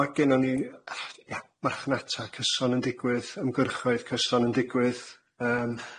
Ma' gennon ni yy ia marchnata cyson yn digwydd ymgyrchoedd cyson yn digwydd yym,